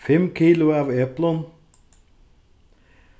fimm kilo av eplum